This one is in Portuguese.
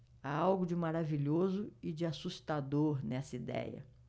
há algo de maravilhoso e de assustador nessa idéia